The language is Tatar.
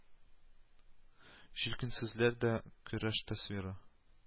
Җилкәнсезләр дә көрәш тасвиры